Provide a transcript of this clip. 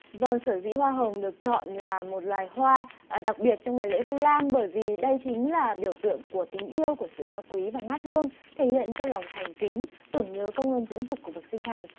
vâng sở dĩ hoa hồng được chọn là một loài hoa đặc biệt trong ngày lễ vu lan bởi vì đây chính là biểu tượng của tình yêu của sự cao quý và ngát hương thể hiện cho lòng thành kính tưởng nhớ công ơn dưỡng dục của bậc sinh thành